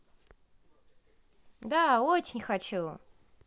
да очень хочу